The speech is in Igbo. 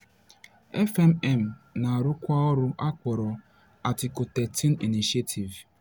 FMM na-arụkwa ọrụ akpọrọ "Article13 Initiative"?